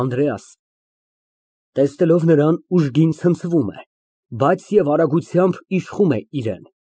ԱՆԴՐԵԱՍ ֊ (Տեսնելով նրան, ուժգին ցնցվում է, բայց և արագությամբ իշխում է իրան)։